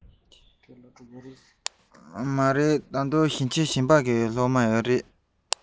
མ རེད ད དུང ཞིང ཆེན གཞན གྱི སློབ ཕྲུག ཡོད རེད